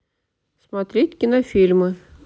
смотреть кинофильмы